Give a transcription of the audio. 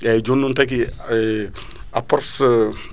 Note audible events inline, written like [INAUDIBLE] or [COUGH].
eyyi jonni tagui [HESITATION] Apros [HESITATION]